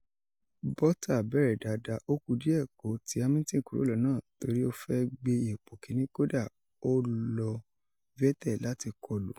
Botta bẹ̀rẹ̀ dáadáa. Ó ku díẹ̀ kó ti Hamilton kúrọ̀ lọ́nà torí ó fẹ́ gbé ipò kìíní. Kódà, ó lo Vettel láti ko lù ú.